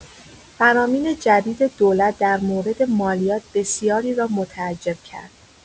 فرامین جدید دولت در مورد مالیات بسیاری را متعجب کرد.